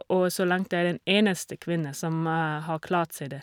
Og så langt jeg er den eneste kvinne som har klart seg det.